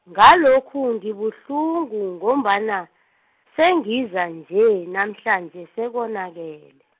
ngalokhu ngibuhlungu ngombana, sengiza nje namhlanje sekonakele.